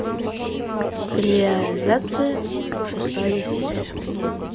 реализация шестая серия